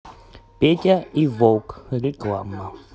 петя и волк реклама